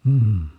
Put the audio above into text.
mm